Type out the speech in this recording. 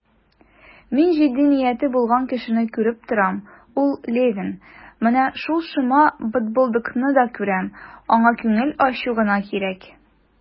Мин җитди нияте булган кешене күреп торам, ул Левин; менә шул шома бытбылдыкны да күрәм, аңа күңел ачу гына кирәк.